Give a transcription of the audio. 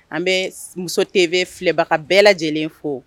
An bɛ muso tɛ bɛ filɛbaga bɛɛ lajɛlen fo